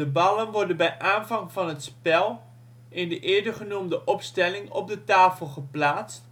ballen worden bij aanvang van het spel in de hier getoonde opstelling op de tafel geplaatst